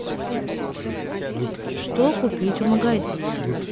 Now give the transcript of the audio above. что купить в магазине